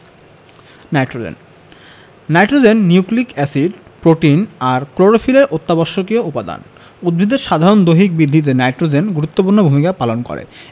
nitrogen nitrogen nucleic acid protein আর ক্লোরোফিলের অত্যাবশ্যকীয় উপাদান উদ্ভিদের সাধারণ দৈহিক বৃদ্ধিতে নাইট্রোজেন গুরুত্বপূর্ণ ভূমিকা পালন করে